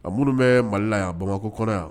A munun bɛ Mali la yan . Bamako kɔnɔ yan.